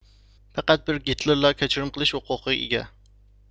پەقەت بىر گىتلېرلا كەچۈرۈم قىلىش ھوقۇقىغا ئىگە ئىدى